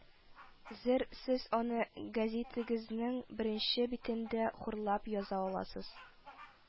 Зер сез аны гәзитегезнең беренче битендә хурлап яза аласыз,